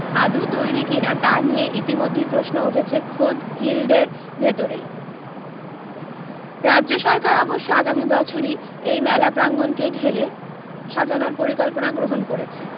আদু তৈরী কিনা তা নিয়ে ইতিমধ্যেই প্রশ্ন উঠেছে খোদ গিল্ডের ভিতরেই রাজ্য সরকার অবশ্য আগামী বছরই এই মেলা প্রাঙ্গনকে ঢেলে সাজানোর পরিকল্পনা গ্রহন করেছে